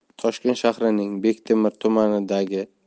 toshkent shahrining bektemir tumanidagi